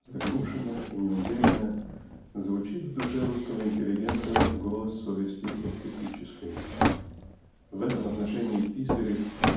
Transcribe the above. заглушенно и неуверенно звучит в душе русского интеллигента голос совести эстетической. В этом отношении Писарев